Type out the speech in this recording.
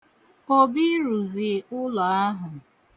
Obi rụzi ụlọ ahụ.